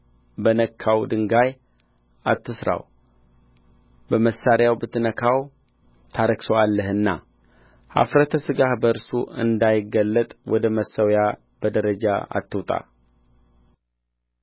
በነካው ድንጋይ አትሥራው በመሣሪያ ብትነካው ታረክሰዋለህና ኃፍረተ ሥጋህ በእርሱ እንዳይገለጥ ወደ መሠዊያዬ በደረጃ አትውጣ